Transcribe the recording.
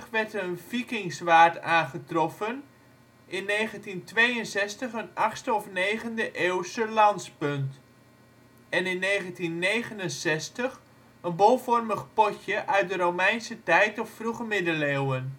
werd een vikingzwaard aangetroffen, in 1962 een 8e of 9e eeuwse lanspunt en in 1969 een bolvormig potje uit de Romeinse tijd of Vroege Middeleeuwen